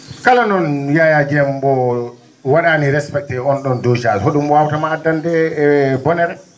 kala noon Yaya Dieng mbo wa?aani respecté oon ?on dosage ho?um wawatama addande e bonere